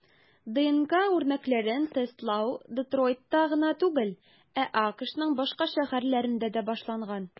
ДНК үрнәкләрен тестлау Детройтта гына түгел, ә АКШның башка шәһәрләрендә дә башланган.